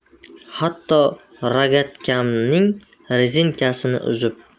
hatto rogatkamning rezinkasini uzib